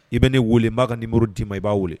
I bɛ ne weele n'a ka ni muru d'i ma i b'a